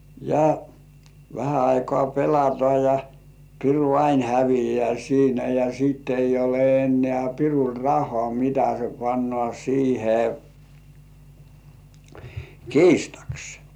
ja vähän aikaa pelataan ja piru aina häviää siinä ja sitten ei ole enää pirulla rahaa mitä se panee siihen kiistaksi